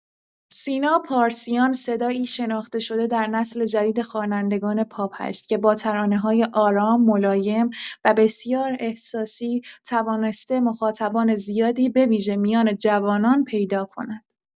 سینا پارسیان صدایی شناخته‌شده در نسل جدید خوانندگان پاپ است که با ترانه‌های آرام، ملایم و بسیار احساسی توانسته مخاطبان زیادی به‌ویژه میان جوانان پیدا کند.